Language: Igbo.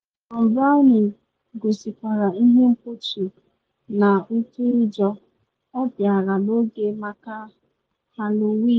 Thom Browne gosikwara ihe mkpuchi na ụtọ ụjọ - ọ bịara n’oge maka Halloween.